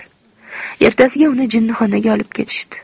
ertasiga uni jinnixonaga olib ketishdi